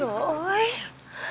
trời ơi